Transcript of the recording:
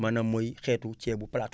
maanaam mooy xeetu ceebu plateau